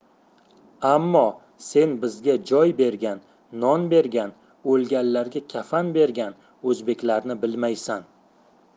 ammo sen bizga joy bergan non bergan o'lganlarga kafan bergan o'zbeklarni bilmaysan